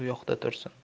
u yoqda tursin